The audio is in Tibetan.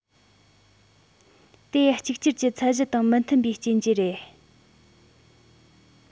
དེ གཅིག གྱུར གྱི ཚད གཞི དང མི མཐུན པའི རྐྱེན གྱིས རེད